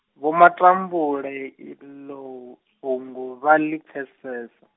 Vho Matambule iḽo, fhungo vha ḽi pfesesa.